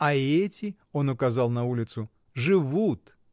А эти, — он указал на улицу, — живут!